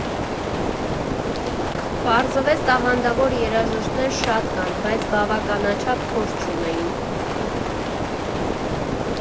Պարզվեց՝ տաղանդավոր երաժիշտներ շատ կան, բայց բավականաչափ փորձ չունեին։